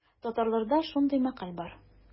Татарларда шундый мәкаль бар.